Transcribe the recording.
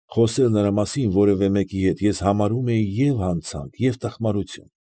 Խոսել նրա մասին որևէ մեկի հետ ես համարում էի և՛ հանցանք, և՛ տխմարություն։